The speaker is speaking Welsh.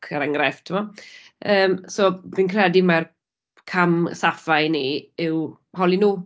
Er enghraifft, timod? Yym so, fi'n credu mai'r cam saffa i ni yw holi nhw.